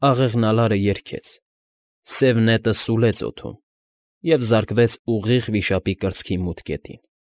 Աղեղնալարը երգեց, սև նետը սուլեց օդում և զարկվեց ուղիղ վիշապի կրծքի մութ կետին։